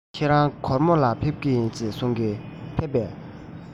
ཁྱེད རང གོར མོ ལ འགྲོ རྒྱུ ཡིན གསུང པས ཕེབས སོང ངམ